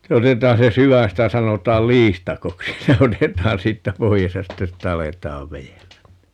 sitten otetaan se sydän sitä sanotaan liistakoksi se otetaan siitä pois ja sitten siitä aletaan vedellä niin